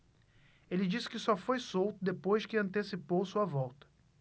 ele disse que só foi solto depois que antecipou sua volta